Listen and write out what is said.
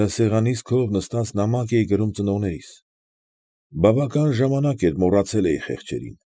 Գրասեղանիս քով նստած նամակ էի գրում ծնողներիս։ Բավական ժամանակ էր մոռացել էի խեղճերին։